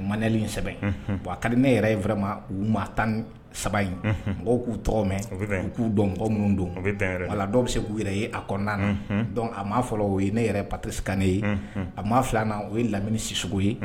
Malen in kari ne yɛrɛ ye fɛma u ma tan saba in mɔgɔw k'u tɔgɔ mɛn k' k'u dɔn mɔgɔ minnu don wala dɔw bɛ se k'u yɛrɛ ye a kɔnɔna a ma fɔ o ye ne yɛrɛ patesik ne ye a ma filanan o ye lamini si sugu ye